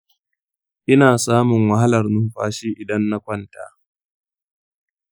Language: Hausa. ina samun wahalar numfashi idan na kwanta.